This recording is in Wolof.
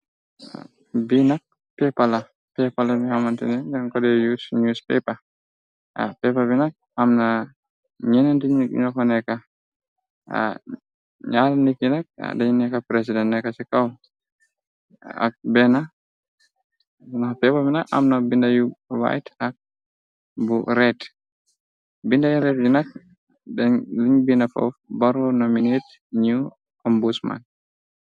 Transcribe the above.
Bi nak peparla peparla biga xamantini dinkoy jafardiko yus pepar pepar amna yeen ti nit nufa nekka narri nit yi nak den president nekka ci kaw ak bina pepar bi nak amna bindayu weex ak bu xongo binday xongo yi nakk liñ bind fo baronominate ñiw ombudsman.